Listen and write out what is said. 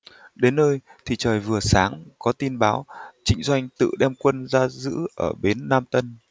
đến nơi thì trời vừa sáng có tin báo trịnh doanh tự đem quân ra giữ ở bến nam tân